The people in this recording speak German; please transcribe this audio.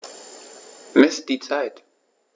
Miss die Zeit.